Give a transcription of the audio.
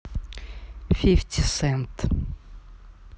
фифти сент